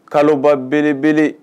Kaloba belebele